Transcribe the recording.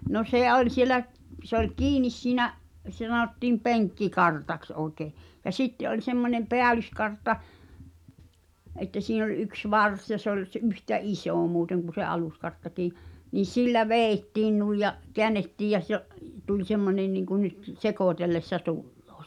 no se oli siellä - se oli kiinni siinä sitä sanottiin penkkikartaksi oikein ja sitten oli semmoinen päällyskartta että siinä oli yksi varsi ja se oli - yhtä iso muuten kuin se aluskarttakin niin sillä vedettiin noin ja käännettiin ja se tuli semmoinen niin kuin nyt sekoitellessa tulee